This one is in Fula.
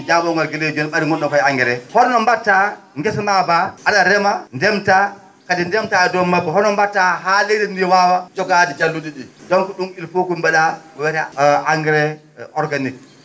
mi jaaboo ngal gila he jooni ?ayde gon?on ko he engrais holno mba?ataa ngesa maa mbaa a?a rema ndemataa kadi ndemataa dow mabba hono mba?ataa haa leydi ndii waawa jogaade jallu?i ?ii donc ?um il faut ko mba?aa ko wiyetee engrais organique